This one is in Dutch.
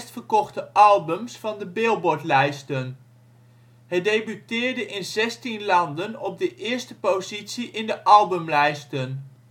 verkochte albums van de Billboardlijsten. Het debuteerde in zestien landen op de eerste positie in de albumlijsten